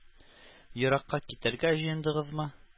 Еракка китәргә җыендыгызмы?